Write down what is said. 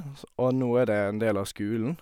ogs Og nå er det en del av skolen.